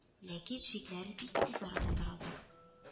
Ләкин шикләре бик тиз арада таралды